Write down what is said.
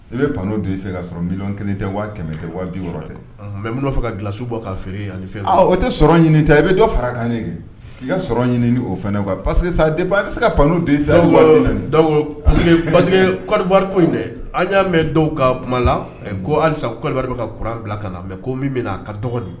I bɛ panan de fɛ ka sɔrɔ mi kelen tɛ kɛmɛ kɛ bi dɛ mɛ n'' fɛ kasiw bɔ ka feere yan fɛ o tɛ sɔrɔ ɲini ta i bɛ dɔ fara kkan ɲɛ kɛ i ka sɔrɔ ɲini o fana parcese se ka panmuru de fɛ parce ko dɛ an y'a mɛn dɔw ka kuma la ko halisa bɛ ka kuran bila ka na mɛ ko min bɛ ka dɔgɔn di